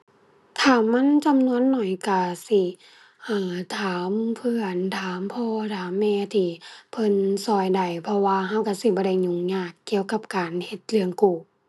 ถ้ามันจำนวนน้อยก็สิ เอ่อ ถามเพื่อน ถามพ่อ ถามแม่ที่เพิ่นก็ได้ เพราะว่าก็ก็สิบ่ได้ยุ่งยากเกี่ยวกับการเฮ็ดเรื่องกู้